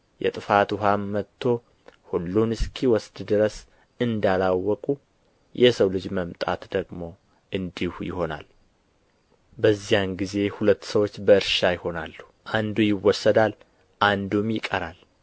የጥፋት ውኃም መጥቶ ሁሉን እስከ ወሰደ ድረስ እንዳላወቁ የሰው ልጅ መምጣት ደግሞ እንዲሁ ይሆናል በዚያን ጊዜ ሁለት ሰዎች በእርሻ ይሆናሉ አንዱ ይወሰዳል አንዱም ይቀራል